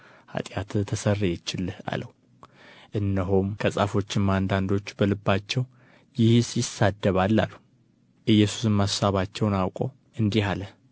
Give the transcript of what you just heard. ኃጢአትህ ተሰረየችልህ አለው እነሆም ከጻፎቹ አንዳንዱ በልባቸው ይህስ ይሳደባል አሉ ኢየሱስም አሳባቸውን አውቆ እንዲህ አለ